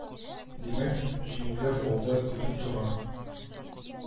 Димәк, җиңүләр алда көтеп тора